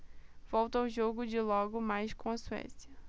volto ao jogo de logo mais com a suécia